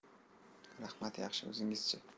rahmat yaxshi o'zingizchi